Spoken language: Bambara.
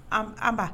An ba .